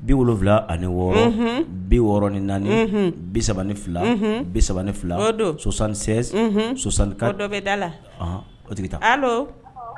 bi wolowula ani wɔɔrɔ bi wɔɔrɔɔrɔn ni naani bisa ni fila bisa fila sɔsan sen sɔsan dɔ bɛ da la o tigi